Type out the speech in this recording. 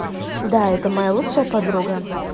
да это моя лучшая подруга